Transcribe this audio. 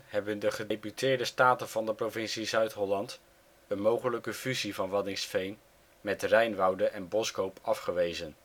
hebben de Gedeputeerde Staten van de provincie Zuid-Holland een mogelijke fusie van Waddinxveen met Rijnwoude en Boskoop afgewezen